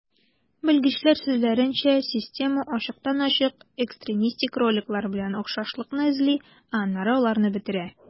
Белгечләр сүзләренчә, система ачыктан-ачык экстремистик роликлар белән охшашлыкны эзли, ә аннары аларны бетерә.